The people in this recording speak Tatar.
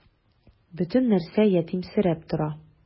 Бөтен нәрсә ятимсерәп тора.